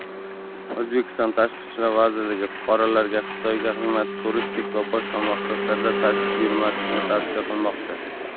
o'zbekiston tashqi ishlar vazirligi fuqarolarga xitoyga xizmat turistik va boshqa maqsadlarda tashrif buyurmaslikni tavsiya qilmoqda